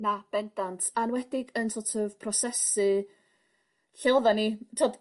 Na bendant a 'nwedig yn sort of prosesu lle oddan ni t'od